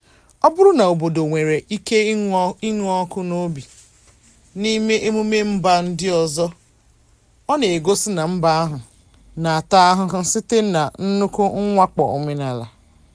Ọ bụrụ na obodo nwere oke ịnụ ọkụ n'obi n'ime emume mba ndị ọzọ, ọ na-egosi na mba ahụ na-ata ahụhụ site na nnukwu mwakpo omenala.